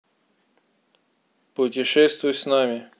путешествуй с нами